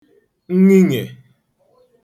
nṅiṅe